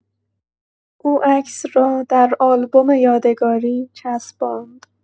او عکس را در آلبوم یادگاری چسباند